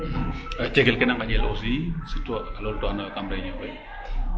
Cegel ke na nqaƴel aussi surtout a toltuwanoyo kam réunion fe.